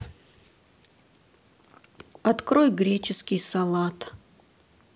открой греческий салат